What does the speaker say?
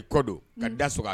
A kɔ don ka da